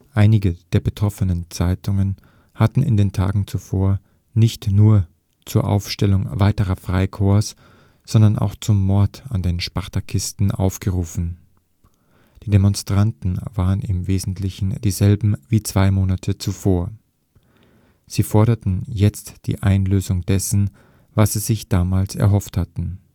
Einige der betroffenen Zeitungen hatten in den Tagen zuvor nicht nur zur Aufstellung weiterer Freikorps, sondern auch zum Mord an den Spartakisten aufgerufen. Die Demonstranten waren im Wesentlichen dieselben wie zwei Monate zuvor. Sie forderten jetzt die Einlösung dessen, was sie sich damals erhofft hatten